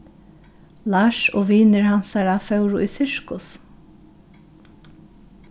lars og vinir hansara fóru í sirkus